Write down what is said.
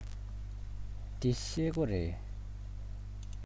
འདི ཤེལ སྒོ རེད